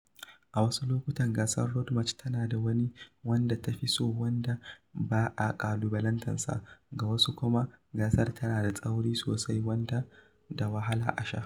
A wasu lokutan gasar Road March tana da wani wanda ta fi so wanda ba a ƙalubalantarsa; ga wasu kuma, gasar tana da tsauri sosai wanda da wahala a sha.